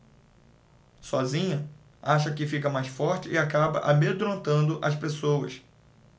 sozinha acha que fica mais forte e acaba amedrontando as pessoas